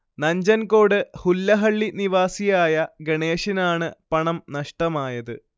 നഞ്ചൻകോട് ഹുല്ലഹള്ളി നിവാസിയായ ഗണേഷിനാണ് പണം നഷ്ടമായത്